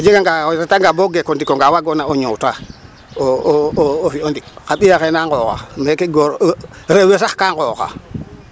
O jeganga, o retanga bo o gek o ndik ka waagoona o ñoowtaa o fi' o ndik a mbi'a yee na nqooxaa meke goor rew we sax gaa nqooxaa.